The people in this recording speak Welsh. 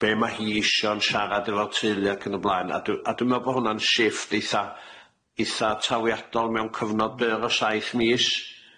Be' ma' hi isio'n siarad efo'r teulu ac yn y blaen. A dw- a dwi me'wl bo' hwn'na'n shifft eitha eitha trawiadol mewn cyfnod byr o saith mis.